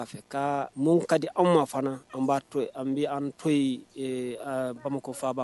Mun ka di anw ma an b'a to an to bamakɔfa